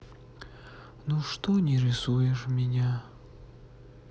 ну что не рисуешь меня